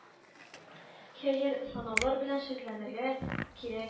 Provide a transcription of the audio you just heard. Хәер, санаулар белән шөгыльләнергә кирә